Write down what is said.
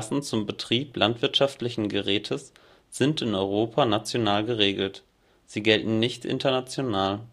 zum Betrieb landwirtschaftlichen Gerätes sind in Europa national geregelt. Sie gelten nicht international